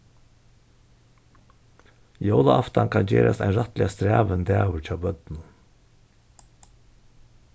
jólaaftan kann gerast ein rættiliga strævin dagur hjá børnum